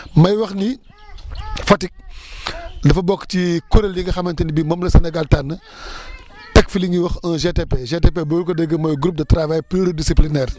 may wax ni Fatick dafa bokk ci kuréel yi nga xamante ni bii moom la Sénégal tànn teg fi li ñuy wax un GTP GTP boo ko déggee mooy groupe de travail pluridisciplinaire